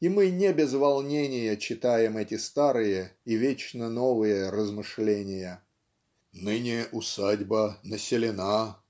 и мы не без волнения читаем эти старые и вечно новые размышления "Ныне усадьба населена.